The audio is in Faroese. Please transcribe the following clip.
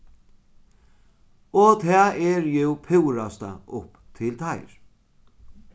og tað er jú púrasta upp til teir